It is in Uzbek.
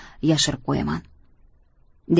deb yashirib qo'yaman